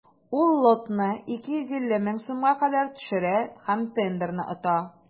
Ул лотны 250 мең сумга кадәр төшерә һәм тендерны ота.